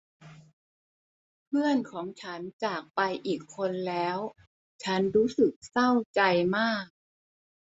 เพื่อนของฉันจากไปอีกคนแล้วฉันรู้สึกเศร้าใจมาก